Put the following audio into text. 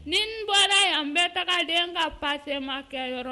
Nin bɔra yan bɛ tagaden ka pa sɛma kɛyɔrɔ